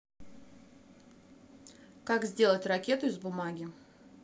как сделать ракету из бумаги